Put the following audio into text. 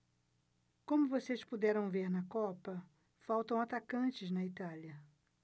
como vocês puderam ver na copa faltam atacantes na itália